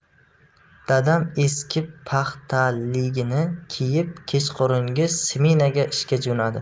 dadam eski paxtaligini kiyib kechqurungi smenaga ishga jo'nadi